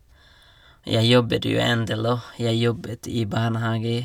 Jeg jobber jo en del òg, jeg jobbet i barnehage.